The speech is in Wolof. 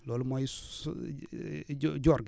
loolu mooy suu jo joor gi